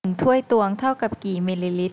หนึ่งถ้วยตวงเท่ากับกี่มิลลิลิตร